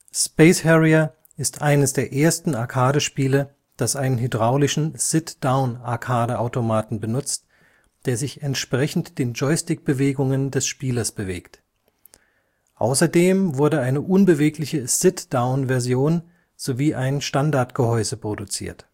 Space Harrier ist eines der ersten Arcade-Spiele, das einen hydraulischen Sit-down-Arcade-Automaten benutzt, der sich entsprechend den Joystick-Bewegungen des Spielers bewegt. Außerdem wurde eine unbewegliche Sit-down-Version, sowie ein Standardgehäuse produziert